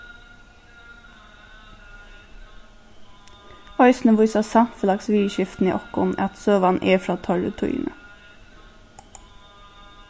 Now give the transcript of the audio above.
eisini vísa samfelagsviðurskiftini okkum at søgan er frá teirri tíðini